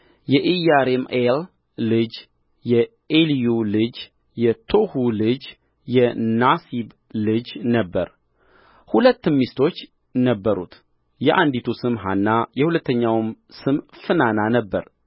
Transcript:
የኢያሬምኤል ልጅ የኢሊዮ ልጅ የቶሑ ልጅ የናሲብ ልጅ ነበረ ሁለትም ሚስቶች ነበሩት የአንዲቱ ስም ሐና የሁለተኛይቱም ስም ፍናና ነበረ